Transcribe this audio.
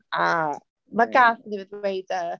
Ah, mae gas 'da fi ddweud e.